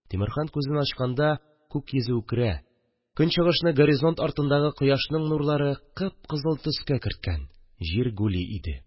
Тимерхан күзен ачканда күк йөзе үкерә, көнчыгышны горизонт артындагы кояшның нурлары кып-кызыл төскә керткән, җир гүли иде